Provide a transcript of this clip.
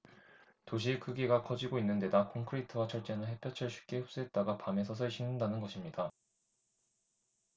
도시의 크기가 커지고 있는 데다 콘크리트와 철재는 햇볕을 쉽게 흡수했다가 밤에 서서히 식는다는 것입니다